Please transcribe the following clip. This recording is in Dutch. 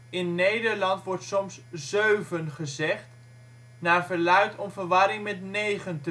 In Nederland wordt soms zeuven gezegd, naar verluidt om verwarring met negen